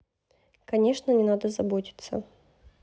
конечно не надо заботиться